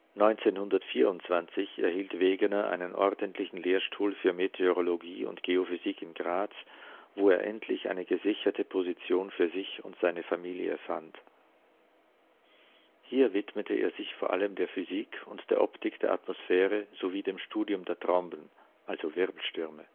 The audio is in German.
1924 erhielt Wegener einen ordentlichen Lehrstuhl für Meteorologie und Geophysik in Graz, wo er endlich eine gesicherte Position für sich und seine Familie fand. Hier widmete er sich vor allem der Physik und der Optik der Atmosphäre sowie dem Studium der Tromben (Wirbelstürme